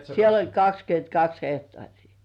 siellä oli kaksikymmentäkaksi hehtaaria